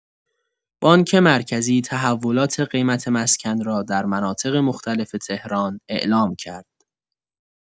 بانک مرکزی تحولات قیمت مسکن را در مناطق مختلف تهران اعلام کرد.